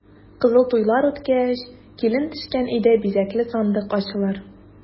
Кызыл туйлар үткәч, килен төшкән өйдә бизәкле сандык ачылыр.